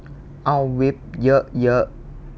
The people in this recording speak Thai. เอาวิปเยอะเยอะ